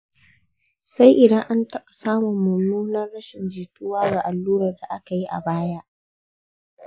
sai idan an taɓa samun mummunar rashin jituwa ga allurar da aka yi a baya.